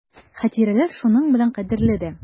Хатирәләр шуның белән кадерле дә.